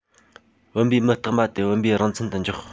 བུམ པའི མི རྟག པ དེ བུམ པའི རང མཚན དུ འཇོག